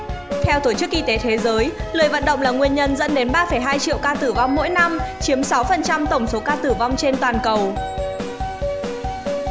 theo tổ chức y tế thế giới lười vận động là nguyên nhân dẫn đến triệu ca tử vong mỗi năm chiếm phần trăm tổng số ca tử vong trên toàn cầu